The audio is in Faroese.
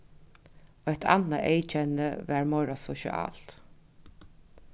eitt annað eyðkenni var meira sosialt